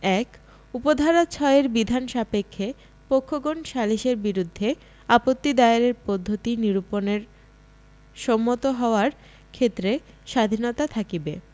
১ উপ ধারা ৬ এর বিধান সাপেক্ষে পক্ষগণ সালিসের বিরুদ্ধে আপত্তি দায়েরের পদ্ধতি নিরুপণের সম্মত হওয়ার ক্ষেত্রে স্বাধীনতা থাকিবে